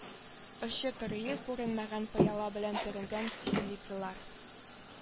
Очы-кырые күренмәгән пыяла белән төренгән теплицалар